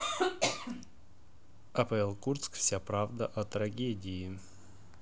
апл курск вся правда о трагедии